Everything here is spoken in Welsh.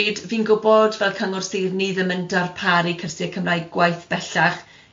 Fi'n gwybod, fel cyngor sir, ni ddim yn darparu cyrsie Cymraeg gwaith bellach.